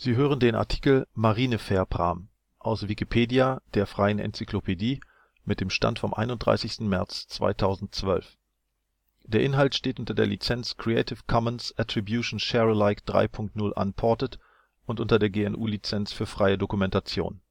hören den Artikel Marinefährprahm, aus Wikipedia, der freien Enzyklopädie. Mit dem Stand vom Der Inhalt steht unter der Lizenz Creative Commons Attribution Share Alike 3 Punkt 0 Unported und unter der GNU Lizenz für freie Dokumentation